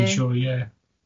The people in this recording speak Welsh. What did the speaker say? Dwi'n siŵr, ie.